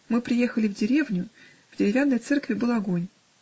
Мы приехали в деревню; в деревянной церкви был огонь.